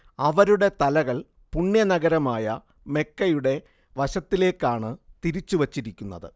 അവരുടെ തലകൾ പുണ്യ നഗരമായ മെക്കയുടെ വശത്തിലേക്കാണ് തിരിച്ചു വച്ചിരിക്കുന്നത്